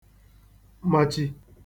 machi